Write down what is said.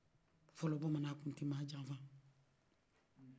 fɔlɔ bamanan kun tɛ mɔgɔ jan fa